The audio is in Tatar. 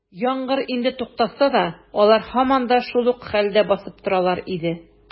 Яңгыр инде туктаса да, алар һаман да шул ук хәлдә басып торалар иде.